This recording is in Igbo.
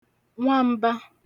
nwam̄bā